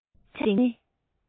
འཕུར པའི གདེང ཆ ནི